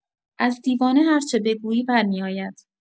از دیوانه هر چه بگویی برمی‌آید!